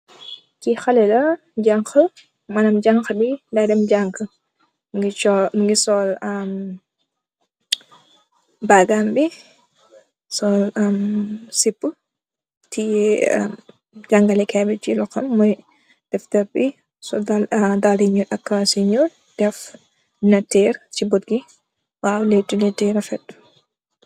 Kii xalé la, Jang. Manaam jañgë bi daai dem jaang i.Mu ngi sol baagam bi, sol sippu, jàngale kat bi tiye loxom bi, sol daala yu ñuul ak kawaas i ñuul